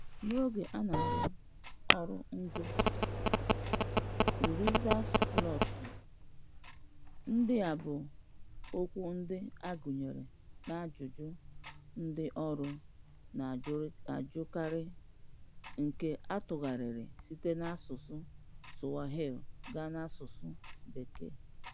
N'oge a na-arụ ọrụ ngo Uliza's pilot, ndị a bụ okwu ndị agụnyere n'ajụjụ ndị ọrụ na-ajụkarị (nke atụgharịrị site n'asụsụ Swahili gaa n'asụsụ Bekee).